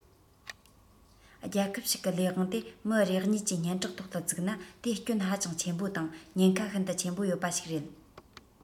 རྒྱལ ཁབ ཞིག གི ལས དབང དེ མི རེ གཉིས ཀྱི སྙན གྲགས ཐོག ཏུ བཙུགས ན དེ སྐྱོན ཧ ཅང ཆེན པོ དང ཉེན ཁ ཤིན ཏུ ཆེན པོ ཡོད པ ཞིག རེད